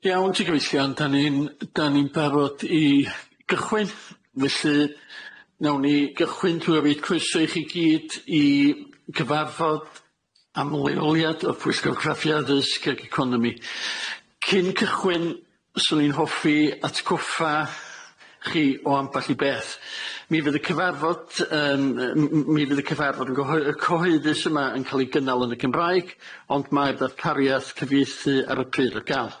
Iawn ti gyfeillion dan ni'n dan ni'n barod i gychwyn felly nawn ni gychwyn drwy croeso i chi gyd i gyfarfod am leoliad y pwyllgor graffu addysg ag economi cyn cychwyn swn i'n hoffi atgoffa chi o ambell i beth mi fydd y cyfarfod yym yy m- m- mi fydd y cyfarfod yn gyho- y- cyhoeddus yma yn ca'l ei gynnal yn y Gymraeg ond mae'r ddarpariaeth cyfieithu ar y pryd a ga'l.